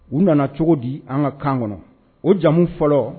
U nana cogo di an ka kan kɔnɔ o jamu fɔlɔ